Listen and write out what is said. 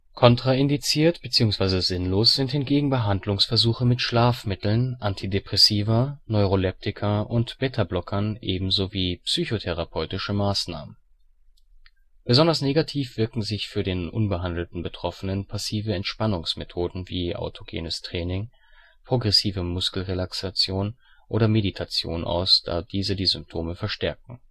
Kontraindiziert bzw. sinnlos sind hingegen Behandlungsversuche mit Schlafmitteln, Antidepressiva, Neuroleptika und Betablockern ebenso wie psychotherapeutische Maßnahmen. Besonders negativ wirken sich für den unbehandelten Betroffenen passive Entspannungsmethoden wie Autogenes Training, Progressive Muskelrelaxation oder Meditation aus, da diese die Symptome verstärken